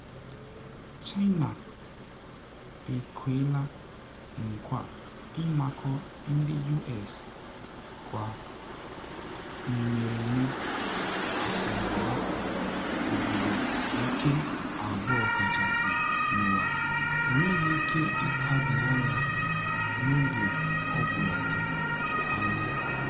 China ekweela nkwa ịmakọ ndị US kwa mmereme, akụnụba obodo nke abụọ kachasị n’ụwa enweghị ike ịtabi anya n’oge ọ bụla dị anya.